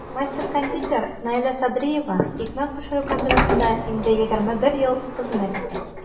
Мастер-кондитер Наилә Садриева икмәк пешерү комбинатында инде 21 ел хезмәт итә.